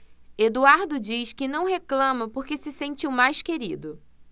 eduardo diz que não reclama porque se sente o mais querido